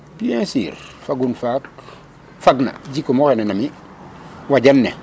bien sur fagun faak fag na jikum o xene na mi wajan ne.